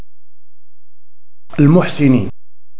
المحسن